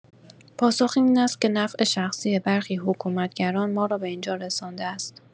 پاسخ این است که نفع شخصی برخی حکومتگران ما را به اینجا رسانده است.